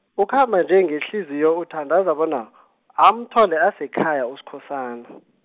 ukhamba nje ngehliziyo uthandaza bona, amthole asekhaya Uskhosana.